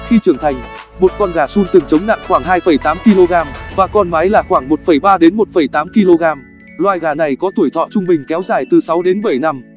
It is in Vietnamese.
khi trưởng thành một con gà sultan trống nặng khoảng kg và con mái là khoảng kg loài gà này có tuổi thọ trung bình kéo dài từ năm